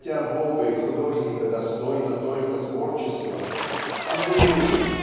хотя Бога и художника достойно только творчество Андрееву